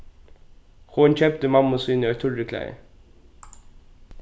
hon keypti mammu síni eitt turriklæði